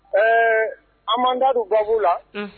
Ɛɛ an man da don gabu la